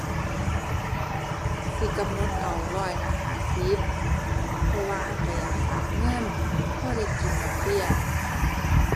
สิกำหนดเอาร้อยละห้าสิบ เพราะว่าก็อยากฝากเงินพอได้กินดอกเบี้ย